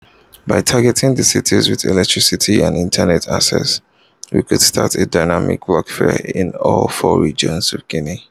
By targeting the cities with electricity and internet access, we could start a dynamic blogosphere in all four regions of Guinea.